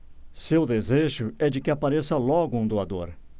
seu desejo é de que apareça logo um doador